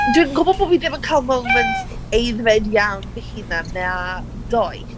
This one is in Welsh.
Dwi'n gwybod bo' fi ddim yn cael moments aeddfed iawn fy hunan na doeth.